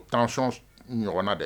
O taasɔnɔn ɲɔgɔnna dɛ